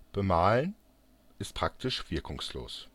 Bemalen - wird oft praktiziert - ist jedoch praktisch wirkungslos